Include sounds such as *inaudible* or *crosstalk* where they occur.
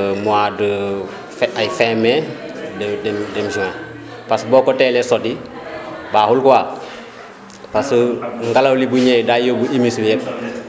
*hesitation* mois de fin ay fin mai *crosstalk* de de dem juin parce que boo ko teelee sotti *crosstalk* baaxul quoi :fraparce que ngelaw li bu ñëwee day yóbbu humus bi yëpp